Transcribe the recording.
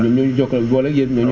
ñoom ñoo ñu jokka booleeg yéen ñoo ñu